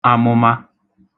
amụma